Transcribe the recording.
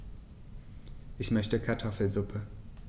Ich möchte Kartoffelsuppe.